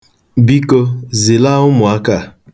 Biko, zilaa ụmụaka a.